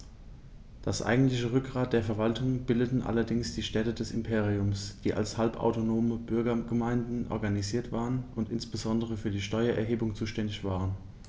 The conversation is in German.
Das eigentliche Rückgrat der Verwaltung bildeten allerdings die Städte des Imperiums, die als halbautonome Bürgergemeinden organisiert waren und insbesondere für die Steuererhebung zuständig waren.